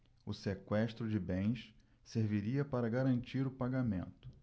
o sequestro de bens serviria para garantir o pagamento